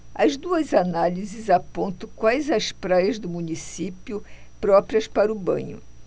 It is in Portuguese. as duas análises apontam quais as praias do município próprias para banho